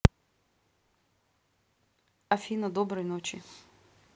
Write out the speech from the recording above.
афина доброй ночи